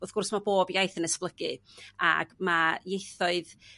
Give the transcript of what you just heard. wrth gwrs ma' bob iaith yn esblygu ag ma' ieithoedd